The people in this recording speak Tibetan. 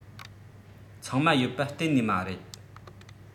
ཚང མ ཡོད པ གཏན ནས མ རེད